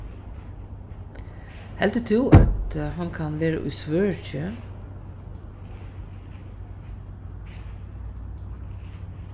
heldur tú at hann kann vera í svøríki